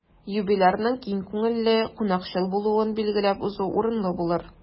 Юбилярның киң күңелле, кунакчыл булуын билгеләп узу урынлы булыр.